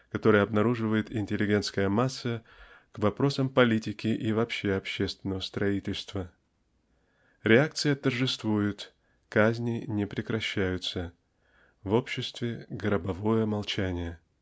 которые обнаруживает интеллигентская масса к вопросам политики и вообще общественного строительства. Реакция торжествует казни не прекращаются -- в обществе гробовое молчание